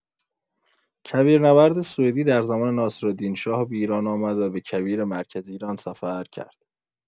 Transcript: کویرنورد سوئدی در زمان ناصرالدین شاه به ایران آمد و به کویر مرکزی ایران سفر کرد.